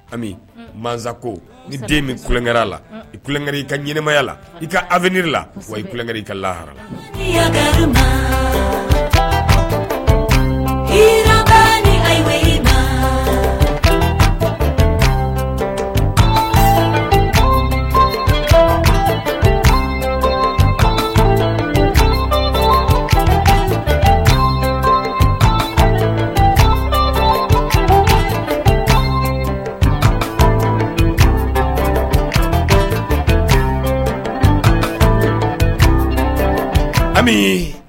Ami masa ko ni den min kukɛ la i kukɛ i ka ɲmaya la i ka af la wa i kukɛ i ka lahara ami